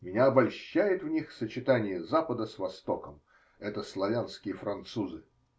Меня обольщает в них сочетание запада с востоком: это славянские французы.